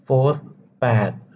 โฟธแปด